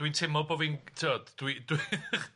Dwi'n teimlo bo' fi'n ti'bod dwi dwi,